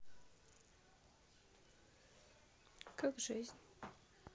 как жизнь